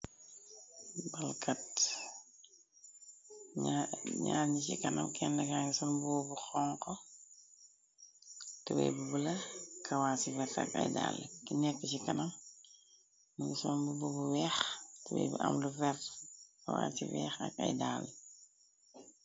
Balkat ñaar ni ci kanam kenn ka ngi sol mbubu bu xonko tubey bu bula kawaa si vert ak ay daal. Ki nekk ci kanam mingi sol mbubu bu weex tubey lu am lu vert kawas yu weex ak ay daalé.